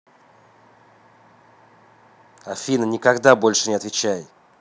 афина никогда больше не отвечай